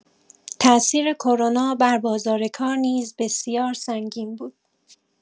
تأثیر کرونا بر بازار کار نیز بسیار سنگین بود.